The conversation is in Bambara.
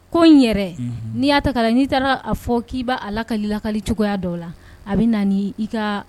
Ko in yɛrɛ , unhun, n'i y'a ta ka lajɛ, n'i taara a fɔ k'i' b'a lakale lakale cogoya dɔw la a bɛ na i ka